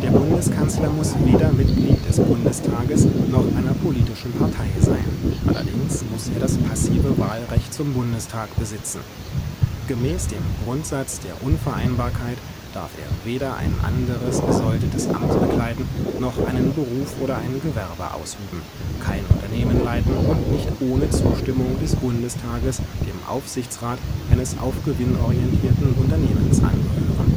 Bundeskanzler muss weder Mitglied des Bundestages noch einer politischen Partei sein, allerdings muss er das passive Wahlrecht zum Bundestag besitzen. Gemäß dem Grundsatz der Unvereinbarkeit darf er weder ein anderes besoldetes Amt bekleiden noch einen Beruf oder ein Gewerbe ausüben, kein Unternehmen leiten und nicht ohne Zustimmung des Bundestages dem Aufsichtsrat eines auf Gewinn orientierten Unternehmens angehören